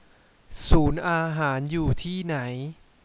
ศูนย์อาหารอยู่ที่ไหน